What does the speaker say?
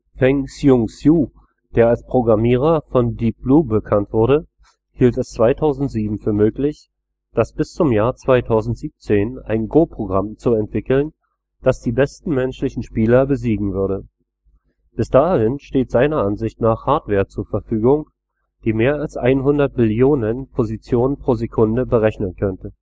Feng-hsiung Hsu, der als Programmierer von Deep Blue bekannt wurde, hielt es 2007 für möglich, bis zum Jahr 2017 ein Go-Programm zu entwickeln, das die besten menschlichen Spieler besiegen würde. Bis dahin steht seiner Ansicht nach Hardware zur Verfügung, die mehr als 100 Billionen Positionen pro Sekunde berechnen könnte